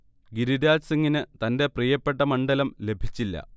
ഗിരിരാജ് സിംഗിന് തൻറെ പ്രിയപ്പെട്ട മണ്ഡലം ലഭിച്ചില്ല